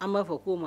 An b'a fɔ ko'o ma